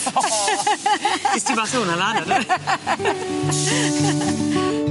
Nest ti bach o hwnna lan nawr do fe?